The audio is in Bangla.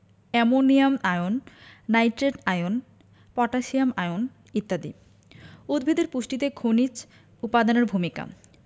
ammonium ion nitrate ion potassium ion ইত্যাদি উদ্ভিদের পুষ্টিতে বিভিন্ন খনিজ উপাদানের ভূমিকা